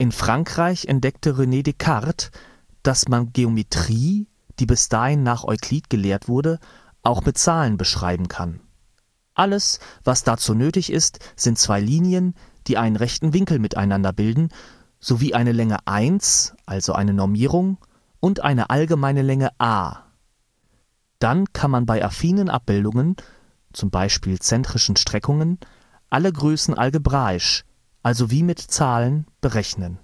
Frankreich entdeckte René Descartes, dass man Geometrie, die bis dahin nach Euklid gelehrt wurde, auch mit Zahlen beschreiben kann. Alles, was dazu nötig ist, sind zwei Linien, die einen rechten Winkel miteinander bilden sowie eine Länge „ 1 “(Normierung) und eine allgemeine Länge „ a “. Dann kann man bei affinen Abbildungen, z. B. zentrischen Streckungen, alle Größen algebraisch, also wie mit Zahlen, berechnen